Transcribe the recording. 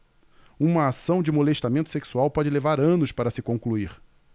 uma ação de molestamento sexual pode levar anos para se concluir